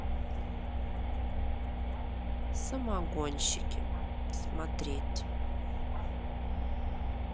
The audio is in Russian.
самогонщики смотреть